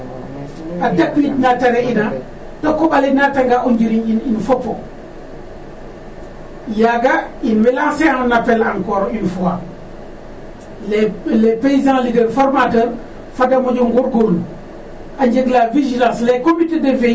A dakwiid na ta reɗ'ina to a koƥ ale naatanga a njiriñ in in fop o yaaga in way lancer a un appel encore une fois les paysan leaders formateur fada moƴo ngoorgoorlu a njeg la vigilence. Les comités de veilles